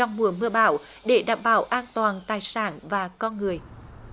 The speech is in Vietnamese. trong mùa mưa bão để đảm bảo an toàn tài sản và con người